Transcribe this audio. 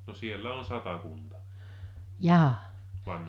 no siellä on satakunta -